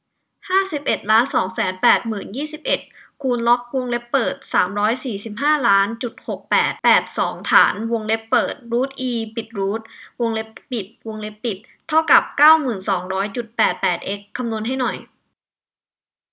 ห้าสิบเอ็ดล้านสองแสนแปดยี่สิบเอ็ดคูณล็อกวงเล็บเปิดสามร้อยสี่สิบห้าล้านจุดหกแปดแปดสองฐานวงเล็บเปิดรูทอีจบรูทวงเล็บปิดวงเล็บปิดเท่ากับเก้าหมื่นสองร้อยจุดแปดแปดเอ็กซ์คำนวณให้หน่อย